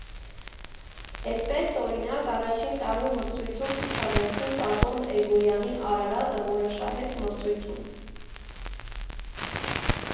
Էդպես, օրինակ, առաջին տարում մրցույթում ցուցադրեցինք Ատոմ Էգոյանի «Արարատը», որը շահեց մրցույթում։